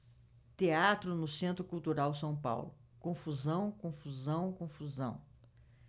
teatro no centro cultural são paulo confusão confusão confusão